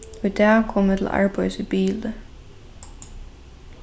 í dag kom eg til arbeiðis í bili